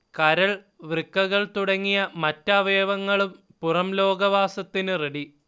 കരൾ, വൃക്കകൾ തുടങ്ങിയ മറ്റവയവങ്ങളും പുറംലോക വാസത്തിനു റെഡി